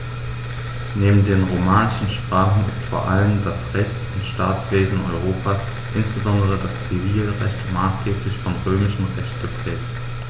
Neben den romanischen Sprachen ist vor allem das Rechts- und Staatswesen Europas, insbesondere das Zivilrecht, maßgeblich vom Römischen Recht geprägt.